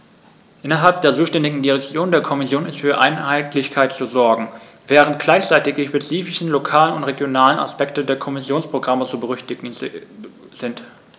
Innerhalb der zuständigen Direktion der Kommission ist für Einheitlichkeit zu sorgen, während gleichzeitig die spezifischen lokalen und regionalen Aspekte der Kommissionsprogramme zu berücksichtigen sind.